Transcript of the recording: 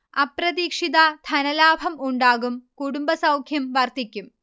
അപ്രതീക്ഷിത ധനലാഭം ഉണ്ടാകും കുടുംബസൗഖ്യം വർധിക്കും